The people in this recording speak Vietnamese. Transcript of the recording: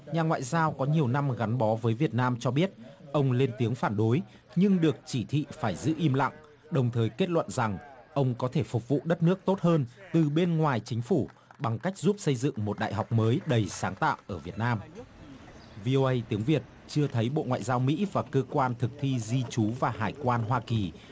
nhà ngoại giao có nhiều năm gắn bó với việt nam cho biết ông lên tiếng phản đối nhưng được chỉ thị phải giữ im lặng đồng thời kết luận rằng ông có thể phục vụ đất nước tốt hơn từ bên ngoài chính phủ bằng cách giúp xây dựng một đại học mới đầy sáng tạo ở việt nam vi ô ây tiếng việt chưa thấy bộ ngoại giao mỹ và cơ quan thực thi di trú và hải quan hoa kỳ